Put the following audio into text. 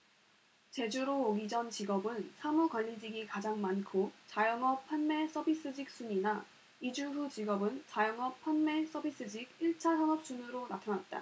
제주로 오기 전 직업은 사무 관리직이 가장 많고 자영업 판매 서비스직 순이나 이주 후 직업은 자영업 판매 서비스직 일 차 산업 순으로 나타났다